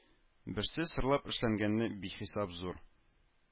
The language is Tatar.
Берсе сырлап эшләнгәне бихисап зур